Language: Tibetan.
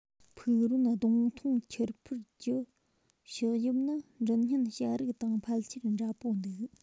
ཕུག རོན གདོང ཐུང འཁྱིར འཕུར གྱི ཕྱི དབྱིབས ནི མགྲིན སྙན བྱ རིགས དང ཕལ ཆེར འདྲ པོ འདུག